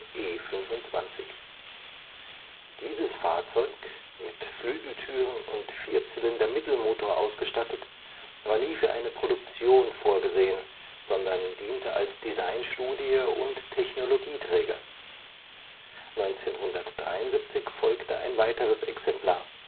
E25). Dieses Fahrzeug, mit Flügeltüren und Vierzylinder-Mittelmotor ausgestattet, war nie für eine Produktion vorgesehen, sondern diente als Designstudie und Technologieträger. 1973 folgte ein weiteres Exemplar